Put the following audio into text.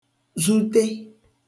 zute